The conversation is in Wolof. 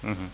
%huym